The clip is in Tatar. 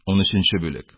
Унөченче бүлек